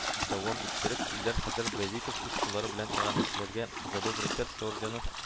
Дәвам иттереп, илдар хәзрәт баязитов үз куллары белән иганәчеләргә “за доброе сердце” ордены